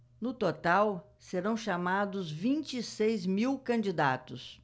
no total serão chamados vinte e seis mil candidatos